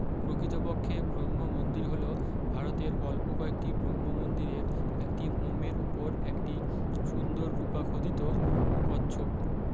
প্রকৃতপক্ষে ব্রহ্ম মন্দির হল ভারতের অল্প কয়েকটি ব্রহ্ম মন্দিরের একটি মোমের উপর একটি সুন্দর রূপা খোদিত কচ্ছপ